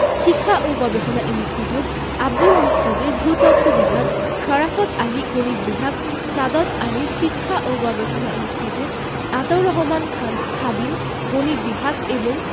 শিক্ষা ও গবেষণা ইনস্টিটিউট আব্দুল মুকতাদির ভূ তত্ত্ব বিভাগ শরাফৎ আলী গণিত বিভাগ সাদত আলী শিক্ষা ও গবেষণা ইনস্টিটিউট আতাউর রহমান খান খাদিম গণিত বিভাগ এবং